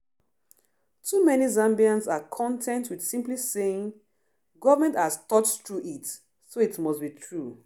Too many Zambians are content with simply saying, “government has thought through it, so it must be true”.